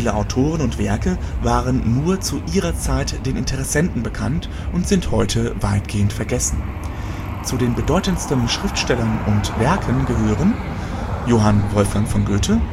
Autoren und Werke waren nur zu ihrer Zeit den Interessenten bekannt und sind heute weitgehend vergessen. Zu den bedeutendsten Schriftstellern und Werken gehören: Johann Wolfgang von Goethe